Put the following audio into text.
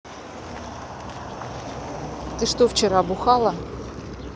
ты что вчера бухала